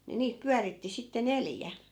niin niitä pyöritti sitten neljä